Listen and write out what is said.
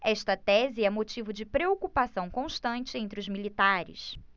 esta tese é motivo de preocupação constante entre os militares